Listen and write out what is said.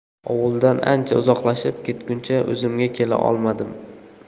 ovuldan ancha uzoqlashib ketguncha o'zimga kela olmadim